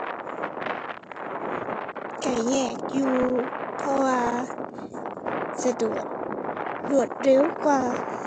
ก็แยกอยู่ เพราะว่าสะดวกรวดเร็วกว่า